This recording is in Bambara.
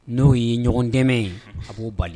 N'o ye ɲɔgɔn dɛmɛ a b'o bali